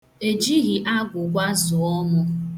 Ejighi agwụgwa zụọ mụ.